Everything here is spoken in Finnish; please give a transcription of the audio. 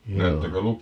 joo